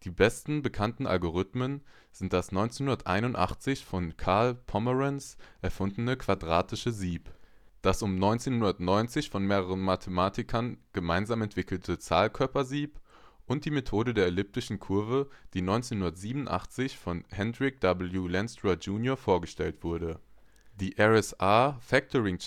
besten bekannten Algorithmen sind das 1981 von Carl Pomerance erfundene Quadratische Sieb, das um 1990 von mehreren Mathematikern (u.a. John M. Pollard, Arjen Lenstra, Hendrik Lenstra Jr., Mark S. Manasse, Carl Pomerance) gemeinsam entwickelte Zahlkörpersieb und die Methode der Elliptischen Kurven, die 1987 von Hendrik W. Lenstra, Jr. vorgestellt wurde. Die RSA Factoring Challenge